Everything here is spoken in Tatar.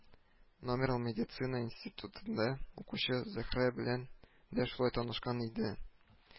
Номерлы медицина институтында укучы зөһрә белән дә шулай танышкан иде